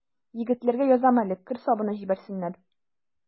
Егетләргә язам әле: кер сабыны җибәрсеннәр.